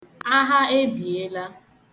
Agha ebiela.